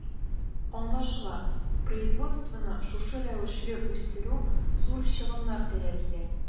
Аңлашыла, производствоны шушы рәвешле үстерү зур чыгымнар таләп итә.